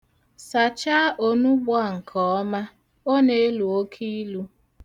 Sachaa onugbu a nke oma, ọ na-elu oke ilu.